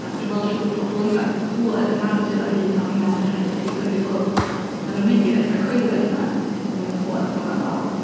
A dwi'n meddwl, trwy pobl ifanc clywed y naratif o hyd, "O ie ond, fydd rhaid i chi symud i ffwrdd." Maen nhw'n mynd i ddechrau coelio hynna, achos maen nhw'n clywed o mor aml.